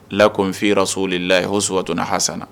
lakum fii rasuli laahi huswatun hasanatun